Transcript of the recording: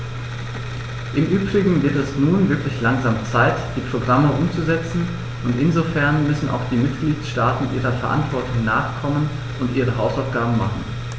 Im übrigen wird es nun wirklich langsam Zeit, die Programme umzusetzen, und insofern müssen auch die Mitgliedstaaten ihrer Verantwortung nachkommen und ihre Hausaufgaben machen.